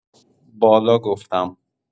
بالا گفتم